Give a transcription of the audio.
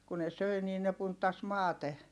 kun ne söi niin ne punttasi maate